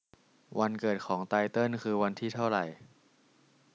วันเกิดของไตเติ้ลคือวันที่เท่าไร